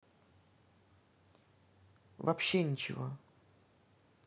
вообще ничего